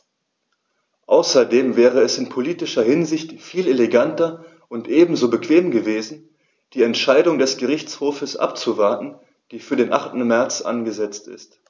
Außerdem wäre es in politischer Hinsicht viel eleganter und ebenso bequem gewesen, die Entscheidung des Gerichtshofs abzuwarten, die für den 8. März angesetzt ist.